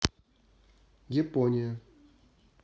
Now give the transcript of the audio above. япония